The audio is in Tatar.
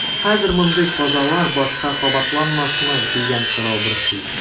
Хәзер мондый казалар башка кабатланмасмы дигән сорау борчый.